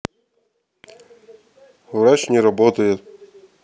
врач не работает